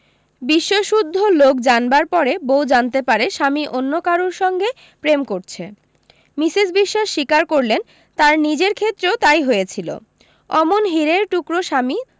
বিশ্ব শুদ্ধ লোক জানবার পরে বউ জানতে পারে স্বামী অন্য কারুর সঙ্গে প্রেম করছে মিসেস বিশোয়াস স্বীকার করলেন তার নিজের ক্ষেত্রেও তাই হয়েছিলো অমন হীরের টুকরো স্বামী